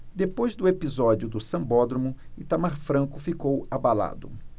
depois do episódio do sambódromo itamar franco ficou abalado